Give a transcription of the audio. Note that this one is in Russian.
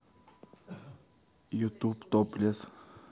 ютюб топлес